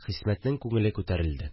Хисмәтнең күңел күтәрелде